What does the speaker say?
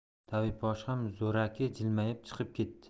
tabibboshi ham zo'raki jilmayib chiqib ketdi